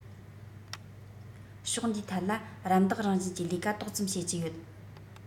ཕྱོགས འདིའི ཐད ལ རམ འདེགས རང བཞིན གྱི ལས ཀ ཏོག ཙམ བྱེད ཀྱི ཡོད